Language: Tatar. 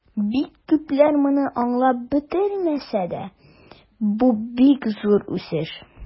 Бик күпләр моны аңлап бетермәсә дә, бу бик зур үсеш.